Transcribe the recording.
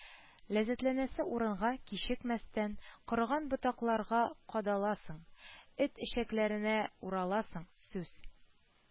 Ләззәтләнәсе урынга, кичекмәстән, корыган ботакларга кадаласың, эт эчәкләренә ураласың, сүз